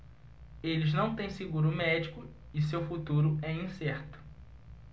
eles não têm seguro médico e seu futuro é incerto